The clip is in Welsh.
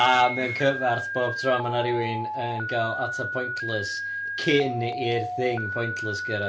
A mae o'n cyfarth bob tro ma' 'na rywun yn cael ateb Pointless cyn i'r thing Pointless gyrraedd.